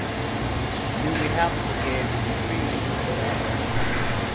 nú eg havi teg her vil eg spyrja um nakað